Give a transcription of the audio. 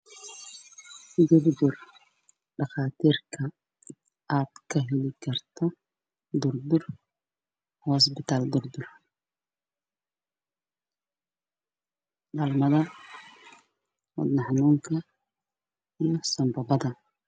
Waa hosbitaal durdur